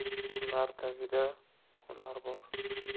hunar tagida hunar bor